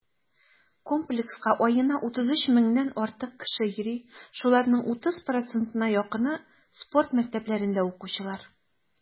Комплекска аена 33 меңнән артык кеше йөри, шуларның 30 %-на якыны - спорт мәктәпләрендә укучылар.